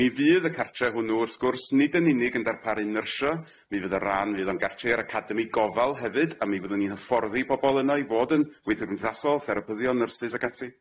Mi fydd y cartre hwnnw wrth gwrs nid yn unig yn darparu nyrsio mi fydd y ran fydd o'n gartre i'r academy gofal hefyd a mi fyddwn ni'n hyfforddi pobol yno i fod yn gweithiw gymdeithasol, therapyddion, nyrsys ac ati.